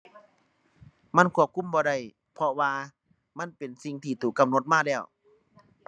มันควบคุมบ่ได้ เพราะว่ามันเป็นสิ่งที่ถูกกำหนดมาแล้ว